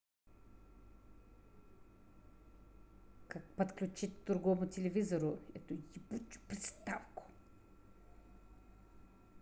как подключить к другому телевизору эту ебучую приставку